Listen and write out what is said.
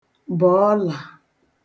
-bọ̀ ọlà